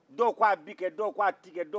dɔw ko a bɛ kɛ dɔw ko a tɛ kɛ